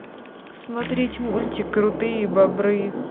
смотреть мультик крутые бобры